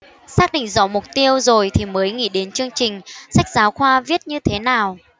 xác định rõ mục tiêu rồi thì mới nghĩ đến chương trình sách giáo khoa viết như thế nào